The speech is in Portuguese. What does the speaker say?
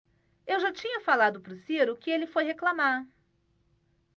eu já tinha falado pro ciro que ele foi reclamar